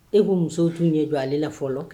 E ko muso t'u ɲɛ don ale la fɔlɔ